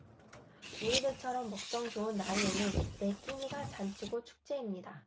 우리들처럼 먹성 좋은 나이에는 매 끼니가 잔치고 축제입니다